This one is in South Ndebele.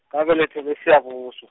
ngabelethelwa eSiyabuswa.